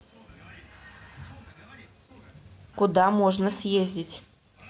куда можно съездить